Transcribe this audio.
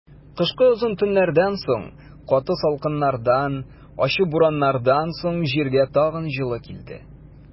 Кышкы озын төннәрдән соң, каты салкыннардан, ачы бураннардан соң җиргә тагын җылы килде.